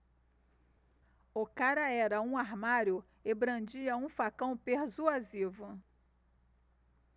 o cara era um armário e brandia um facão persuasivo